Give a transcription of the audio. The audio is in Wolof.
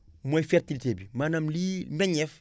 mooy fertilité bi maanaam liy meññeef